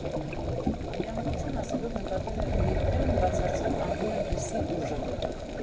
Միամտություն ասելով նկատի ունեմ երբեմն բացարձակ անհիմն հույսի ուժը։